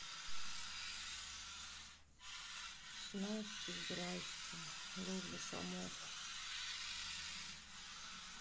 снасти здрасьте ловля сомов